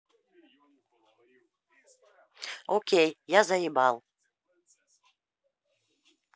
окей я заебал